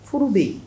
Furu bɛ yen